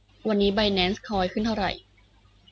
วันนี้ไบแนนซ์คอยขึ้นเท่าไหร่